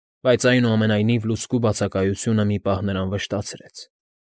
Բայց այնուամենայնիվ լուցկու բացակայությունը մի պահ նրան վշտացրեց։